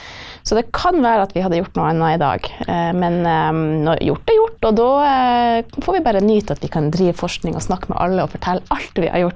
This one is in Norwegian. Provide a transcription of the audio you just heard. så det kan være at vi hadde gjort noe anna i dag, men nå gjort er gjort og da får vi bare nyte at vi kan drive forskning og snakke med alle og fortelle alt vi har gjort.